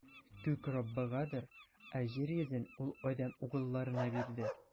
Күк - Раббыгадыр, ә җир йөзен Ул адәм угылларына бирде.